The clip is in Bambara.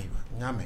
Y'a mɛn